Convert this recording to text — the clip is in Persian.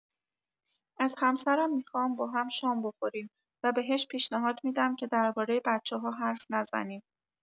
از همسرم می‌خوام باهم شام بخوریم و بهش پیشنهاد می‌دم که درباره بچه‌ها حرف نزنیم.